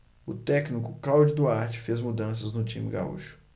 o técnico cláudio duarte fez mudanças no time gaúcho